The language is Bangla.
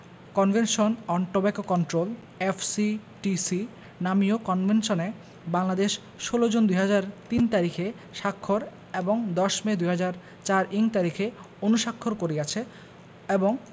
convention on tobacco control F C T C নামীয় কনভেনশনে বাংলাদেশ ১৬ জুন ২০০৩ইং তারিখে স্বাক্ষর এবং ১০ মে ২০০৪ইং তারিখে অনুস্বাক্ষর কয়য়াছে এবং